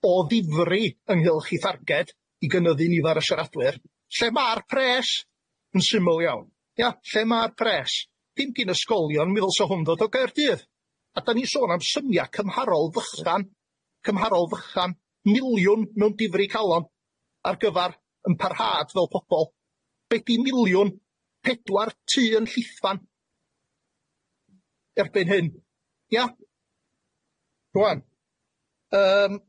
o ddifri ynghylch 'i tharged i gynyddu nifer y siaradwyr. Lle ma'r pres, yn syml iawn, ia? Lle ma'r pres, dim gin ysgolion, mi ddylsa hwn ddod o Gaerdydd, a 'dan ni'n sôn am symia cymharol fychan, cymharol fychan, miliwn mewn difri calon, ar gyfar yn parhad fel pobol, be 'di miliwn? Pedwar ty yn Llithfaen, erbyn hyn, ia? Rŵan, yym